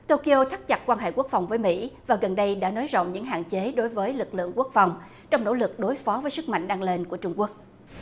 tô ki ô thắt chặt quan hệ quốc phòng với mỹ và gần đây đã nới rộng những hạn chế đối với lực lượng quốc phòng trong nỗ lực đối phó với sức mạnh đang lên của trung quốc